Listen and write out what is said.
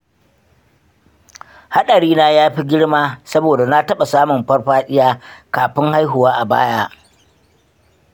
haɗari na ya fi girma saboda na taɓa samun farfaɗiya kafin haihuwa a baya?